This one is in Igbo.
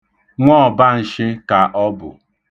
Nwọọbanshị ka ọ bụ.